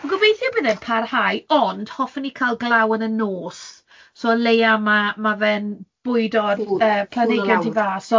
Gobeithio bydd e'n parhau, ond hoffwn i cael glaw yn y nos, so o leia ma' ma' fe'n bwydo'r yy... Cŵ- Cŵlo lawr ...planhigion tu fas,